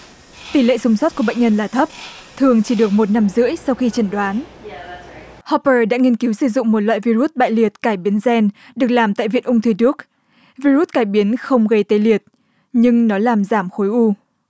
tỷ lệ sống sót của bệnh nhân là thấp thường chỉ được một năm rưỡi sau khi chẩn đoán hóp bơ đã nghiên cứu sử dụng một loại vi rút bại liệt cải biến gien được làm tại viện ung thư đúc vi rút cải biến không gây tê liệt nhưng nó làm giảm khối u